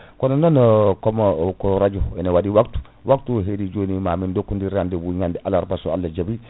kono noon comme que radio ina waɗi waptu waptu o heedi joni mamin dokkodir rendez vous ñade alarba so Allah jaaɓi